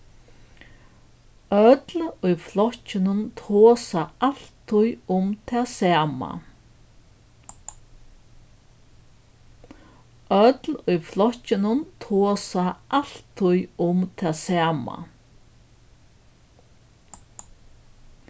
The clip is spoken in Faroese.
øll í flokkinum tosa altíð um tað sama